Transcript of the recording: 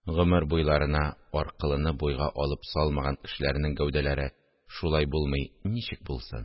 Гомер буйларына аркылыны буйга алып салмаган кешеләрнең гәүдәләре шулай булмый ничек булсын